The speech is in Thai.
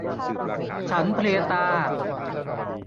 ฉันเพลียตา